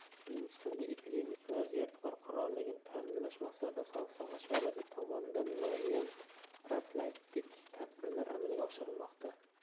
o'zbekistonda epidemik vaziyat barqarorligini ta'minlash maqsadida sog'liqni saqlash vazirligi tomonidan muayyan profilaktik tadbirlar amalga oshirilmoqda